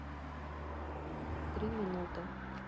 три минуты